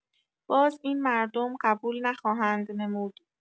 باز این مردم قبول نخواهند نمود.